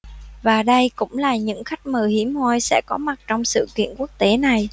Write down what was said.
và đây cũng là những khách mời hiếm hoi sẽ có mặt trong sự kiện quốc tế này